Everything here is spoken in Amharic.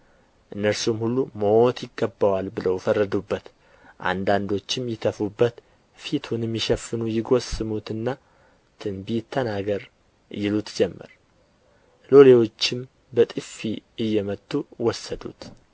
እነርሱም ሁሉ ሞት ይገባዋል ብለው ፈረዱበት አንዳንዶችም ይተፉበት ፊቱንም ሸፍነው ይጐስሙትና ትንቢት ተናገር ይሉት ጀመር ሎሌዎችም በጥፊ እየመቱ ወሰዱት